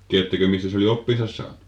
tiedättekö missä se oli oppinsa saanut